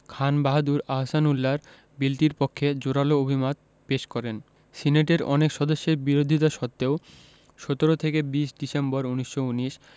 খান বাহাদুর আহসানউল্লাহ বিলটির পক্ষে জোরালো অভিমত পেশ করেন সিনেটের অনেক সদস্যের বিরোধিতা সত্ত্বেও ১৭ থেকে ২০ ডিসেম্বর ১৯১৯